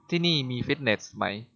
ที่นี่มีฟิตเนสไหม